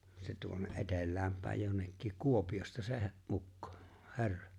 se tuonne etelään päin jonnekin Kuopiosta se - ukko herra